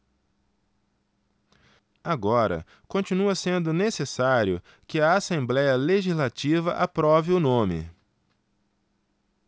agora continua sendo necessário que a assembléia legislativa aprove o nome